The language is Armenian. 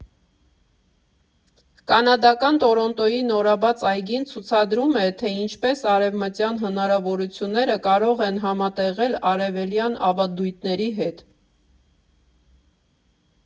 Կանադական Տորոնտոյի նորաբաց այգին ցուցադրում է, թե ինչպես արևմտյան հնարավորությունները կարող են համատեղվել արևելյան ավանդույթների հետ։